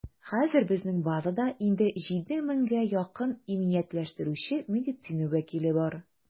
Хәзер безнең базада инде 7 меңгә якын иминиятләштерүче медицина вәкиле бар.